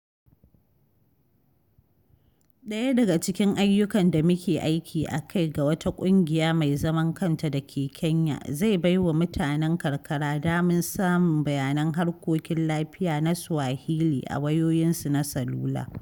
Ɗaya daga cikin ayyukan da muke aiki a kai ga wata ƙungiya mai zaman kanta da ke Kenya zai baiwa mutanen karkara damar samun bayanan harkokin lafiya na Swahili a wayoyinsu na salula.